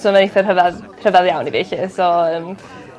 ...so ma'n eitha rhyfadd rhyfadd iawn i fi 'lly so yym ...